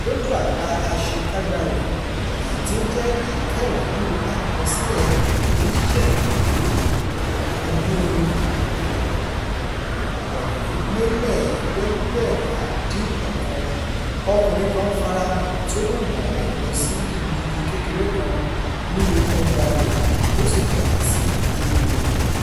Lójú àláa àsèkágbáa rẹ̀, èyí tí ó jẹ́ ìkẹwàá nínú àkọsílẹ̀ oníṣísẹ̀ntẹ̀lé ọdún-un 1979, ọkùnrin kan fara hàn tí ó mú Mohammed lọ sí ibi igi kékeré kan nínúu ọgbàa rẹ̀, ó sì tọ́ka sí egbòo rẹ̀.